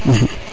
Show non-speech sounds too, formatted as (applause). (hesitation)